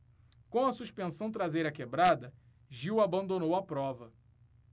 com a suspensão traseira quebrada gil abandonou a prova